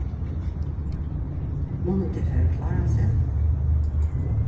munnu tey fara at klára seg